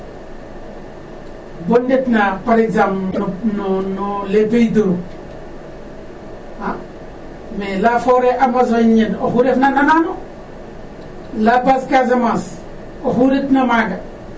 Bon ndetna par exemple no no les pays d'europe mais la foret amzonnier oxu refna nannano no la base casamance oxu retna maaga,